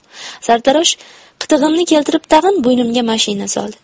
sartarosh qitig'imni keltirib tag'in bo'ynimga mashina soldi